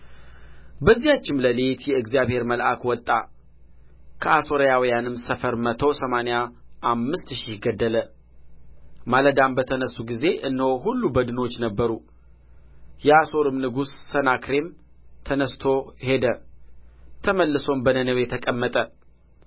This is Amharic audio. በዚያችም ሌሊት የእግዚአብሔር መልአክ ወጣ ከአሦራውያንም ሰፈር መቶ ሰማንያ አምስት ሺህ ገደለ ማለዳም በተነሡ ጊዜ እነሆ ሁሉ በድኖች ነበሩ የአሦርም ንጉሥ ሰናክሬም ተነሥቶ ሄደ ተመልሶም በነነዌ ተቀመጠ